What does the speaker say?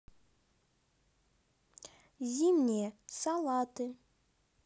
зимние салаты